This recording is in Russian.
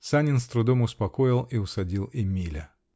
Санин с трудом успокоил и усадил Эмиля.